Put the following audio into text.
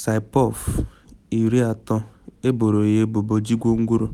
Saipov, 30, eboro ya ebubo ji gwongworo